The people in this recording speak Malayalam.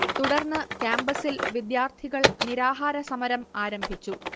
തുടർന്ന് കാമ്പസ്സിൽ വിദ്യാർത്ഥികൾ നിരാഹാരസമരം ആരംഭിച്ചു